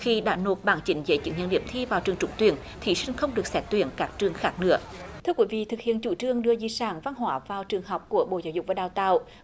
khi bạn nộp bản chính giấy chứng nhận điểm thi vào trường trúng tuyển thí sinh không được xét tuyển các trường khác nữa thưa quý vị thực hiện chủ trương đưa di sản văn hóa vào trường học của bộ giáo dục và đào tạo